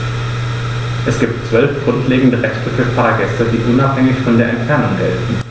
Es gibt 12 grundlegende Rechte für Fahrgäste, die unabhängig von der Entfernung gelten.